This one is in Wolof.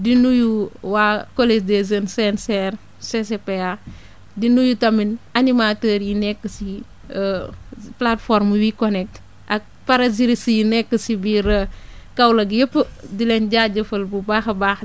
di nuyu waa collège des jeunes CNCR CCPA di nuyu tamit animateurs yi nekk si plateforme Wi Connect ak parajuriste yi nekk si biir Kaolack yëpp di leen jaajëfal bu baax a baax